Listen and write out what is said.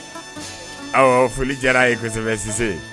Foli diyara yesɛbɛsi ye